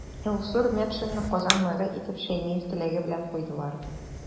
Илсур Метшинны Казан мэры итеп Шәймиев теләге белән куйдылар.